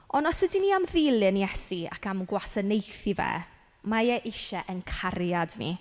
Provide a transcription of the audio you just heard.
Ond os ydyn ni am ddilyn Iesu ac am gwasanaethu fe, mae e isie ein cariad ni.